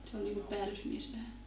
se oli niin kuin päällysmies vähän